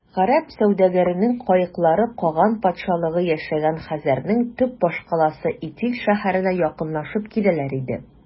Гарәп сәүдәгәренең каеклары каган патшалыгы яшәгән хәзәрнең төп башкаласы Итил шәһәренә якынлашып киләләр иде.